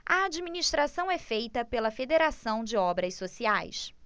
a administração é feita pela fos federação de obras sociais